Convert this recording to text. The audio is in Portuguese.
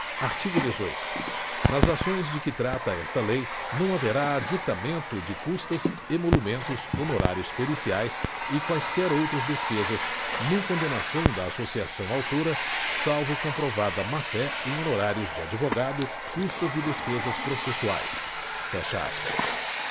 artigo dezoito nas ações de que trata esta lei não haverá aditamento de custas emolumentos honorários periciais e quaisquer outras despesas nem condenação da associação autora salvo comprovada máfé em honorários de advogado custas e despesas processuais fecha aspas